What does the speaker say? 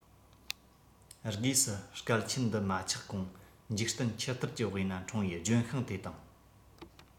སྒོས སུ སྐལ ཆེན འདི མ ཆགས གོང འཇིག རྟེན ཆུ གཏེར གྱི དབུས ན འཁྲུངས པའི ལྗོན ཤིང དེ དང